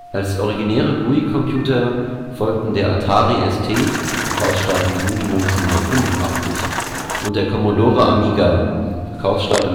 Als originäre GUI-Computer folgten der Atari ST (Verkaufsstart im Juni 1985) und der Commodore Amiga (Verkaufsstart